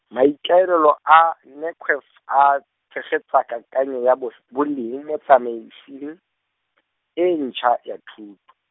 maikaelelo a N Q F a tshegetsa kakanyo ya bos-, boleng mo tsamaisong , e ntšha ya thuto.